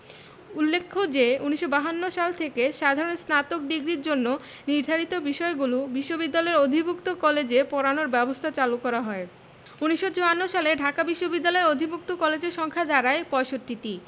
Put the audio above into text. উল্লেখ্য যে ১৯৫২ সাল থেকে সাধারণ স্নাতক ডিগ্রির জন্য নির্ধারিত বিষয়গুলো বিশ্ববিদ্যালয়ের অধিভুক্ত কলেজে পড়ানোর ব্যবস্থা চালু করা হয় ১৯৫৪ সালে ঢাকা বিশ্ববিদ্যালয়ের অধিভুক্ত কলেজের সংখ্যা দাঁড়ায় ৬৫টি